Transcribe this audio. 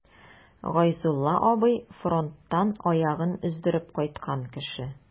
Гайзулла абый— фронттан аягын өздереп кайткан кеше.